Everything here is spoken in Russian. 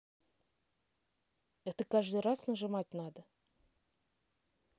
а ты каждый раз нажимать надо